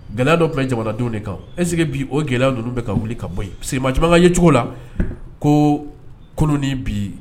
Gɛlɛya dɔ tun jamanadenw de kan e bi o gɛlɛya ninnu bɛ ka wuli ka bɔ yen siri ma caman ye cogo la ko kolon ni bi